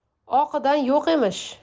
oqidan yo'q emish